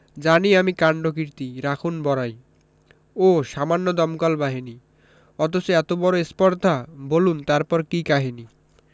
জানি আমি কাণ্ডকীর্তি রাখুন বড়াই ওহ্ সামান্য দমকল বাহিনী অথচ এত বড় স্পর্ধা বুলন তারপর কি কাহিনী